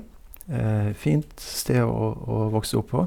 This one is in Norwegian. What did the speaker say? Fint sted å å å vokse opp på.